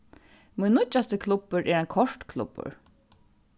mín nýggjasti klubbur er ein kortklubbur